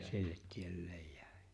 sille tielleen jäi